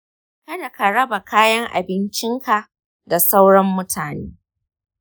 kada ka raba kayan abincinka da sauran mutane.